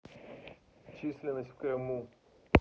численность в крыму